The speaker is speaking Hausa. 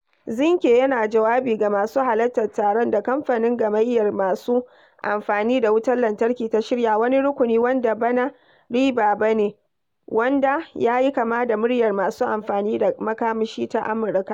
Zinke yana jawabi ga masu halartar taron da kamfanin Gamaiyyar masu Amfani da wutar Lantarki ta shirya, wani rukuni wanda bana riba ba ne wanda yayi kama da "muryar masu amfani da makamashi" a Amurka.